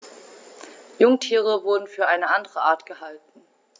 Jungtiere wurden für eine andere Art gehalten.